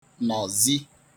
nọ̀zi